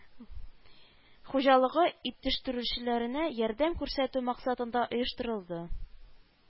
Хуҗалыгы итештерүчеләренә ярдәм күрсәтү максатында оештырылды